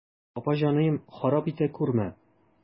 Апа җаныем, харап итә күрмә.